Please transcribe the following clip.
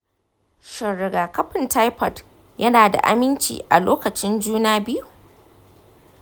shin rigakafin taifoid yana da aminci a lokacin juna biyu?